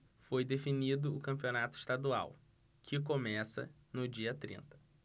foi definido o campeonato estadual que começa no dia trinta